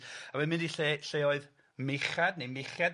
a mae'n mynd i lle lle oedd Meichad neu Meichiad.